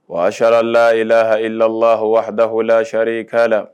Waasaadu laa ilaa ilalau waadau lasarikala.